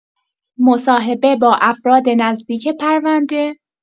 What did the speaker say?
مصاحبه با افراد نزدیک پرونده